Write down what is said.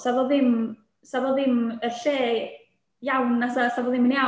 'Sa fo ddim 'sa fo ddim y lle iawn na 'sa? 'Sa fo ddim yn iawn.